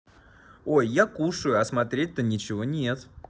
ой я кушаю а смотреть то ничего нет